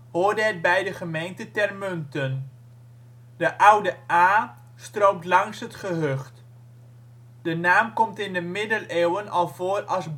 hoorde het bij de gemeente Termunten. De Oude Ae stroomt langs het gehucht. De naam komt in de middeleeuwen al voor als